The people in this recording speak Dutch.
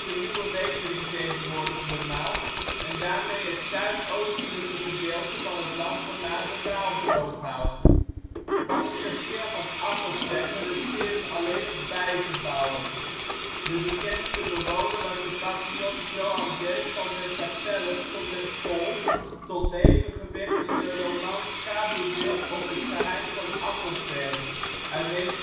Nieuwe Wetering tegenwoordig bemaalt en daarmee het zuidoostelijke gedeelte van het Land van Maas en Waal droog houdt. Van het kasteel van Appeltern resteren alleen nog bijgebouwen. De bekendste bewoner was de patriot Joan Derk van der Capellen tot den Pol, tot leven gewekt in de roman Schaduwbeeld of Het geheim van Appeltern (1989